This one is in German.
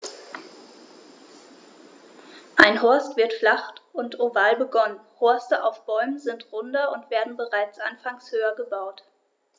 Ein Horst wird flach und oval begonnen, Horste auf Bäumen sind runder und werden bereits anfangs höher gebaut.